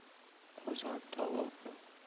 qozon tovoq